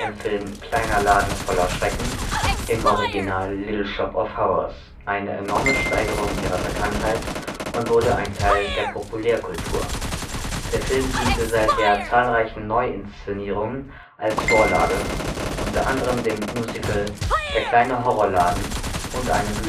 Film Kleiner Laden voller Schrecken (im Original: Little Shop of Horrors) eine enorme Steigerung ihrer Bekanntheit und wurde ein Teil der Populärkultur; der Film diente seither zahlreichen Neuinszenierungen als Vorlage, unter anderem dem Musical Der kleine Horrorladen und einem